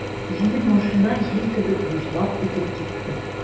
Җиңел машина җил кебек выжлап үтеп китте.